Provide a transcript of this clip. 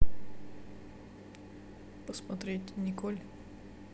посмотреть николь